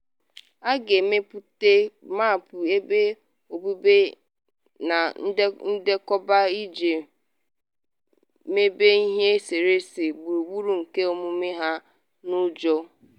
A ga-emepụta mapụ ebe obibi na ndekọba iji mebe ihe eserese gburugburu nke omume ha n’uju.